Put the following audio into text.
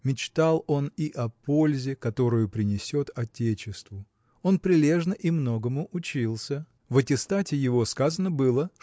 Мечтал он и о пользе, которую принесет отечеству. Он прилежно и многому учился. В аттестате его сказано было